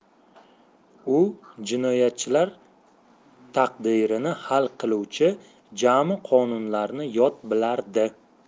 u jinoyatchilar taqdirini hal qiluvchi ja'mi qonunlarni yod bilardi